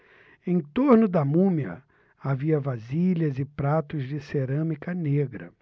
em torno da múmia havia vasilhas e pratos de cerâmica negra